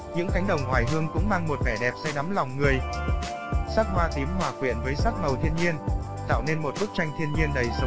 những cánh đồng oải hương cũng mang một vẻ đẹp say đắm lòng người sắc hoa tím hòa quyện với sắc màu thiên nhiên tạo nên một bức tranh thiên nhiên đầy sống động